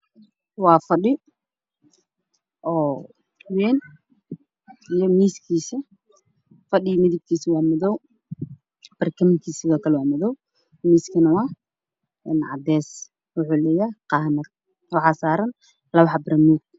Waa fadhi wayn iyo miiskiisa. Fadhigu waa madow, barkintu waa madow, miisku waa cadeys waxuu leeyahay qaanad waxaa saaran labo xabo hormuud.